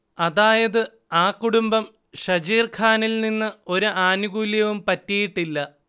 അതായത് ആ കുടുംബം ഷജീർഖാനിൽ നിന്ന് ഒരു ആനുകൂല്യവും പറ്റിയിട്ടില്ല